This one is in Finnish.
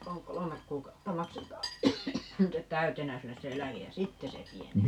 - kolme kuukautta maksetaan nyt täytenä sinne se eläke ja sitten se pienenee